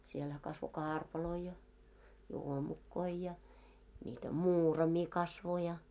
siellähän kasvoi karpaloita ja juomukoita ja niitä muuraimia kasvoi ja